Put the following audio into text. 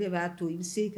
Ne b'a to i bɛ se